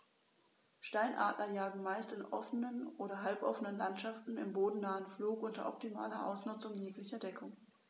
Steinadler jagen meist in offenen oder halboffenen Landschaften im bodennahen Flug unter optimaler Ausnutzung jeglicher Deckung.